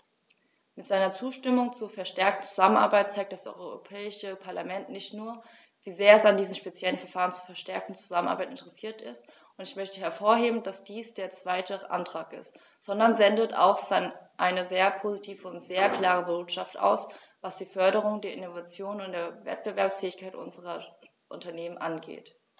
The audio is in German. Mit seiner Zustimmung zur verstärkten Zusammenarbeit zeigt das Europäische Parlament nicht nur, wie sehr es an diesem speziellen Verfahren zur verstärkten Zusammenarbeit interessiert ist - und ich möchte hervorheben, dass dies der zweite Antrag ist -, sondern sendet auch eine sehr positive und sehr klare Botschaft aus, was die Förderung der Innovation und der Wettbewerbsfähigkeit unserer Unternehmen angeht.